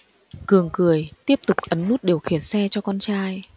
cường cười tiếp tục ấn nút điều kiển xe cho con trai